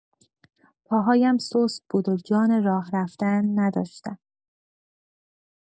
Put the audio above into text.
پاهایم سست بود و جان راه‌رفتن نداشتم.